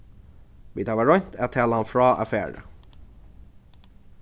vit hava roynt at tala hann frá at fara